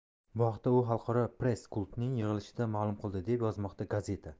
bu haqda u xalqaro press klubning yig'ilishida ma'lum qildi deb yozmoqda gazeta